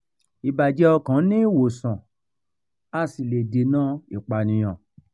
Ìbàjẹ́ ọkàn ní ìwòsàn, a sì lè dènà ìpànìyàn.